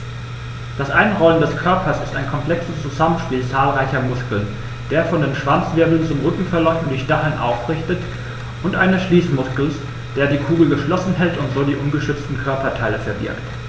Das Einrollen des Körpers ist ein komplexes Zusammenspiel zahlreicher Muskeln, der von den Schwanzwirbeln zum Rücken verläuft und die Stacheln aufrichtet, und eines Schließmuskels, der die Kugel geschlossen hält und so die ungeschützten Körperteile verbirgt.